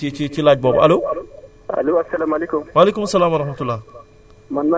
wala xaaral ñu jël kii ba noppi après ñu soog a dellusiwaat ci ci ci laaj boobu allo